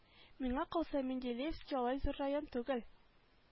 Миңа калса менделеевски алай зур район түгел